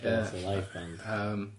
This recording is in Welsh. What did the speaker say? Ie. Dim as a live band. Yym.